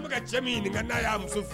A bɛ ka cɛ min ɲini nin ka da a y'a muso fɛ